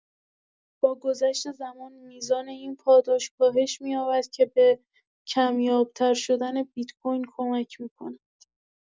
با گذشت زمان، میزان این پاداش کاهش می‌یابد که به کمیاب‌تر شدن بیت‌کوین کمک می‌کند.